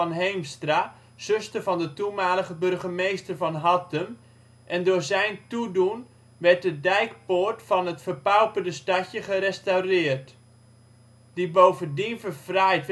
Heemstra (zuster van de toenmalige burgemeester van Hattem) en door zijn toedoen werd de Dijkpoort van het verpauperde stadje gerestaureerd, die bovendien verfraaid